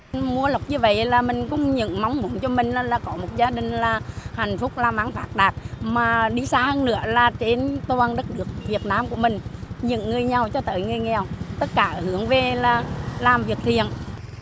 mua lộc như vậy là mình không những mong muốn cho mình là là có một gia đình là hạnh phúc làm ăn phát đạt mà đi xa hơn nữa là trên toàn đất nước việt nam của mình những người giàu cho tới người nghèo tất cả hướng về là làm việc thiện